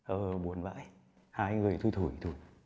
ừ buồn vãi hai người thui thủi thủi